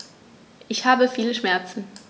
Ich habe viele Schmerzen.